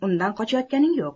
undan qochayotganing yo'q